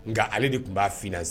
Nka ale de tun b'a f san